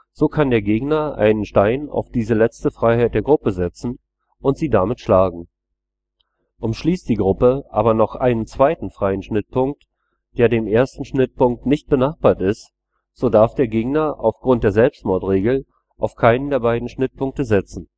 so kann der Gegner einen Stein auf diese letzte Freiheit der Gruppe setzen und sie damit schlagen. Umschließt die Gruppe aber noch einen zweiten freien Schnittpunkt, der dem ersten Schnittpunkt nicht benachbart ist, so darf der Gegner aufgrund der Selbstmordregel auf keinen der beiden Schnittpunkte setzen